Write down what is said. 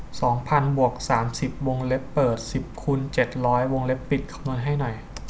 สองพันบวกสามสิบวงเล็บเปิดสิบคูณเจ็ดร้อยวงเล็บปิดคำนวณให้หน่อย